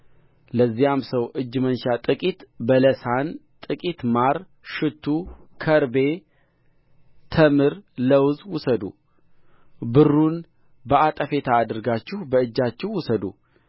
ለዚያም ሰው እጅ መንሻ ጥቂት በለሳን ጥቂት ማር ሽቱ ከርቤ ተምር ለውዝ ውሰዱ ብሩን በአጠፌታ አድርጋችሁ በእጃችሁ ውሰዱ